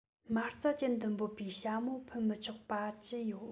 མ རྩ ཅན དུ འབོད པའི ཞྭ མོ ཕུད མི ཆོག པ ཅི ཡོད